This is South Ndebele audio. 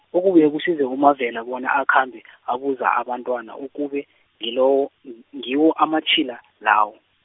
okubuye kusize uMavela bona akhambe , abuza abantwana okube, ngilowo, n- ngiwo amatjhila layo.